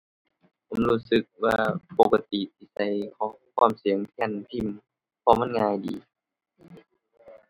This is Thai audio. ผมรู้สึกว่าปกติ ใช้ข้อความเสียงแทนพิมพ์ เพราะมันง่ายดี